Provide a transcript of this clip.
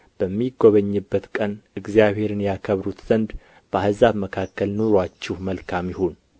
በሚጎበኝበት ቀን እግዚአብሔርን ያከብሩት ዘንድ በአሕዛብ መካከል ኑሮአችሁ መልካም ይሁን